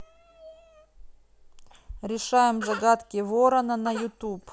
решаем загадки ворона на ютуб